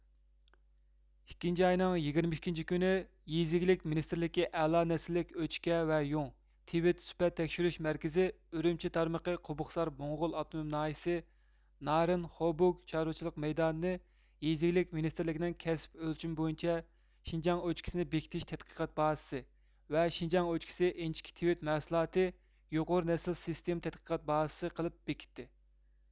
ئىككىنچى ئاينىڭ يېگىرمە ئىككىنچى كۈنى يېزا ئىگىلىك مىنىستىرلىكى ئەلا نەسىللىك ئۆچكە ۋە يۇڭ تىۋىت سۈپەت تەكشۈرۈش مەركىزى ئۈرۈمچى تارمىقى قوبۇقسار موڭغۇل ئاپتونوم ناھىيىسى نارىن خوبۇگ چارۋىچىلىق مەيدانىنى يېزا ئىگىلىك مىنىستىرلىكىنىڭ كەسىپ ئۆلچىمى بويىچە شىنجاڭ ئۆچكىسى نى بېكىتىش تەتقىقات بازىسى ۋە شىنجاڭ ئۆچكىسى ئىنچىكە تىۋىت مەھسۇلاتى يۇقىرى نەسىل سېستېما تەتقىقات بازىسى قىلىپ بېكىتتى